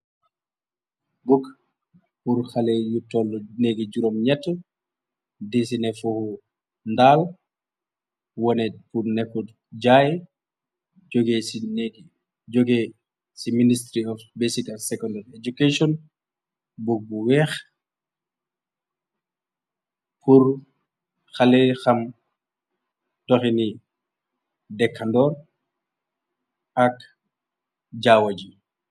Book pur xale yu toll néggi juróom ñet dicine fofu ndaal wone fu nepu jaay jóge ci ministry of basic an secondar education buk bu weex pur xale xam toxini dekandor ak jaawa ji.